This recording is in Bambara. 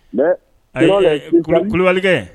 A kulubalikɛ